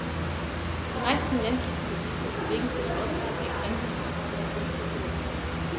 Die meisten ländlichen Gebiete bewegen sich außerhalb der Grenze von 250 Kilometern.